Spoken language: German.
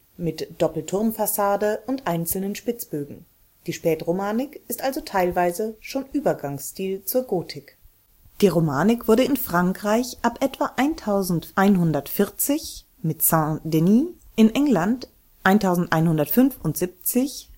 mit Doppelturmfassade und einzelnen Spitzbögen. Die Spätromanik ist also teilweise schon Übergangsstil zur Gotik. Die Romanik wurde in Frankreich ab etwa 1140 (St. Denis), in England 1175